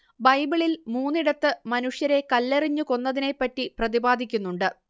ബൈബിളിൽ മൂന്നിടത്ത് മനുഷ്യരെ കല്ലെറിഞ്ഞ് കൊന്നതിനെപ്പറ്റി പ്രതിപാദിക്കുന്നുണ്ട്